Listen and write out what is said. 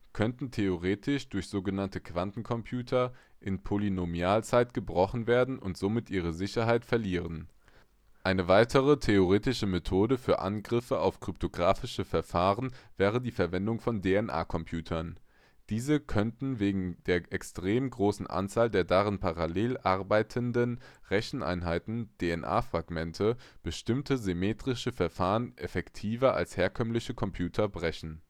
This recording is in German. könnten theoretisch durch so genannte Quantencomputer in Polynomialzeit gebrochen werden und somit ihre Sicherheit verlieren. Eine weitere theoretische Methode für Angriffe auf kryptographische Verfahren wäre die Verwendung von DNA-Computern. Diese könnten wegen der extrem großen Anzahl der darin parallel arbeitenden „ Recheneinheiten “(DNA-Fragmente) bestimmte symmetrische Verfahren effektiver als herkömmliche Computer brechen